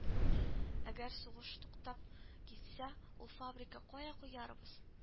- әгәр сугыш туктап китсә, ул фабрика кая куярбыз